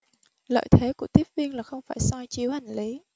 lợi thế của tiếp viên là không phải soi chiếu hành lý